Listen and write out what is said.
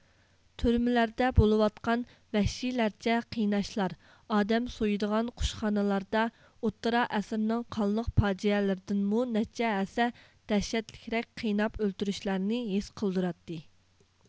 تۈرمىلەردە بولۇۋاتقان ۋەھشىيلەرچە قىيناشلار ئادەم سويىدىغان قۇشخانىلاردا ئوتتۇرا ئەسىرنىڭ قانلىق پاجىئەلىرىدىنمۇ نەچچە ھەسسە دەھشەتلىكرەك قىيناپ ئۆلتۈرۈشلەرنى ھېس قىلدۇراتتى